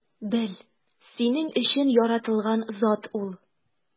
Бел: синең өчен яратылган зат ул!